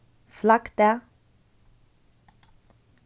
flaggdag